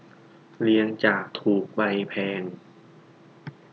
เรียงจากถูกไปแพง